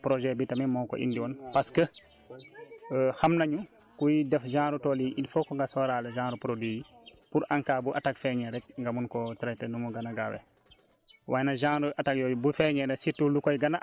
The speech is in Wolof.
waaye loolu yëpp ay produits produits chimique la waa projet bi tamit moo ko indi woon parce que xam nañu kuy def genre tool yii il foog nga sóoraale genre produit yi pour en cas bu attaque amee rek nga mun koo traiter ni mu gën a gaawee